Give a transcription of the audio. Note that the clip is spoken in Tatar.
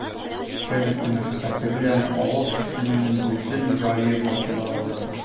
Печән өсте мәшәкате белән авыл кешесенең бөтен җәе басуда уза.